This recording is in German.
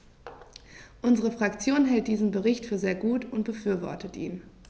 Unsere Fraktion hält diesen Bericht für sehr gut und befürwortet ihn.